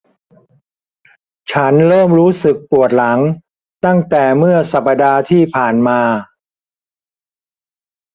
ฉันเริ่มรู้สึกปวดหลังตั้งแต่เมื่อสัปดาห์ที่ผ่านมา